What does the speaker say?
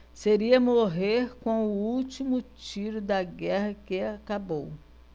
seria morrer com o último tiro da guerra que acabou